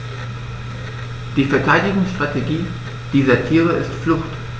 Die Verteidigungsstrategie dieser Tiere ist Flucht.